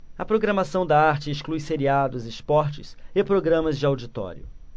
a programação da arte exclui seriados esportes e programas de auditório